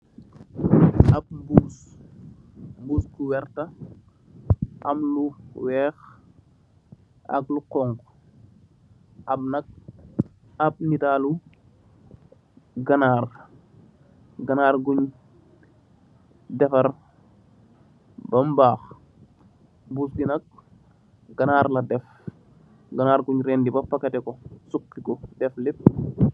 Ap mbuss mbuss bu wertax am lu weex ak lu xonxa am nak ap netalu ganarr ganarr gung defar bem bakx mbuss bi nak ganarr la def ganarr bung rendi ba paketo suxiko deff lep.